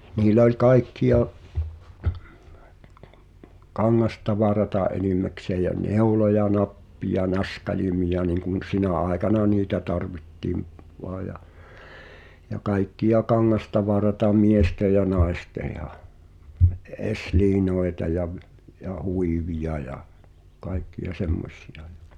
niillä oli kaikkia kangastavaraa enimmäkseen ja neuloja nappeja naskaleita niin kuin sinä aikana niitä tarvittiin vain ja ja kaikkia kangastavaraa miesten ja naisten ja - esiliinoja ja - ja huiveja ja kaikkia semmoisia ja